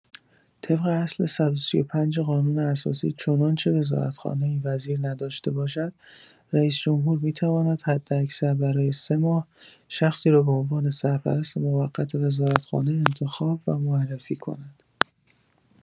طبق اصل ۱۳۵ قانون اساسی چنانچه وزارت‌خانه‌ای وزیر نداشته باشد، رئیس‌جمهور می‌تواند حداکثر برای سه‌ماه شخصی را به عنوان سرپرست موقت وزارتخانه انتخاب و معرفی کند.